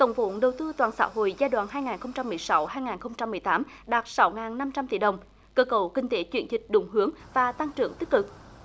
tổng vốn đầu tư toàn xã hội giai đoạn hai ngàn không trăm mười sáu hai ngàn không trăm mười tám đạt sáu ngàn năm trăm tỷ đồng cơ cấu kinh tế chuyển dịch đúng hướng và tăng trưởng tích cực